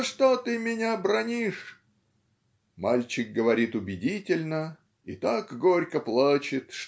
за что ты меня бранишь?" Мальчик говорит убедительно и так горько плачет